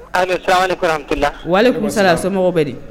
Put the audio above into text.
walekum salam somɔgɔw bɛ di?